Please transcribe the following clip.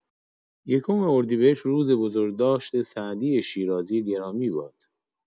یکم اردیبهشت روز بزرگداشت سعدی شیرازی گرامی باد.